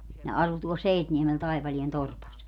ne asui tuolla Seitniemellä Taipaleen torpassa